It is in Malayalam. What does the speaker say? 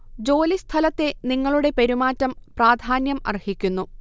ജോലി സ്ഥലത്തെ നിങ്ങളുടെ പെരുമാറ്റം പ്രാധാന്യം അര്ഹിക്കുന്നു